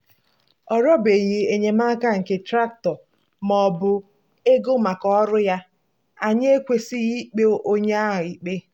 Ọ rịọbeghị enyemaka nke traktọ ma ọ bụ ego maka ọrụ ya. Anyị ekwesịghị ikpe onye a ikpe.